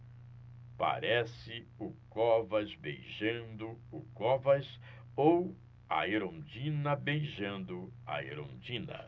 parece o covas beijando o covas ou a erundina beijando a erundina